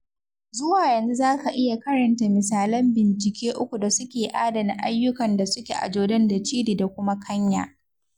Zuwa yanzu za ka iya karanta misalan bincike uku da suke adana ayyukan da suke a Jordan da Chile da kuma Kenya.